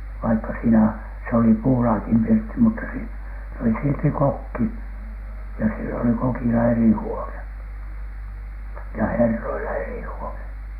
vaikka siinä se oli puulaakin pirtti mutta - oli silti kokki ja sillä oli kokilla eri huone ja herroilla eri huone